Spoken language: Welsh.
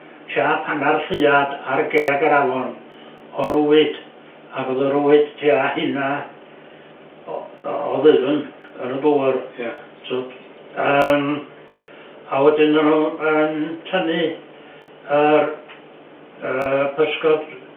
siap hannar lluad ar geg yr afon o rwyd ag o'dd y rwyd tua hynna o ddyfn yn y dŵr... Ia... yym a wedyn o'dden n'w yn tynnu yr yy pysgod